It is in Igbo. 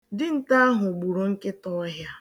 Dinta ahụ gburu nkịtaọhịa